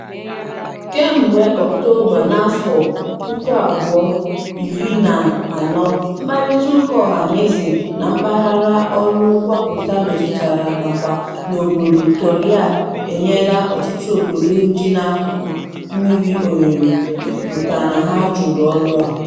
Kemgbe Ọktoba 2014, mkparịtaụka ọhanaeze na mpaghara ọrụ ngwupụta metụtara nakwa n'obodo Toliara enyela ọtụtụ obodo dị n'akụkụ mmiri ohere ikwupụta na ha jụrụ ọrụ a.